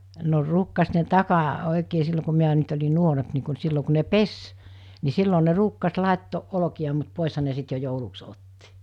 no ruukasi ne - oikein silloin kun minä nyt olin nuorempi niin kuin - silloin kun ne pesi niin silloin ne ruukasi laittaa olkia mutta poishan ne sitten jo jouluksi otti